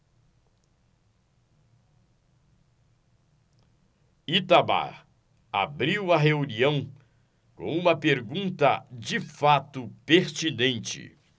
itamar abriu a reunião com uma pergunta de fato pertinente